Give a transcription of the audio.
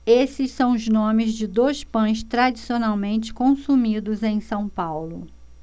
esses são os nomes de dois pães tradicionalmente consumidos em são paulo